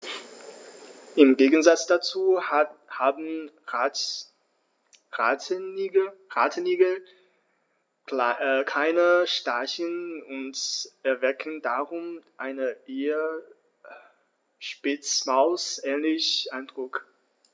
Im Gegensatz dazu haben Rattenigel keine Stacheln und erwecken darum einen eher Spitzmaus-ähnlichen Eindruck.